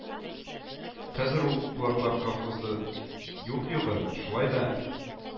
Хәзер ул кулаклар колхозы юк югын, шулай да